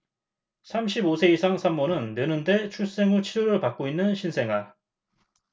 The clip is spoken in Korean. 삼십 오 세 이상 산모는 느는데출생 후 치료를 받고 있는 신생아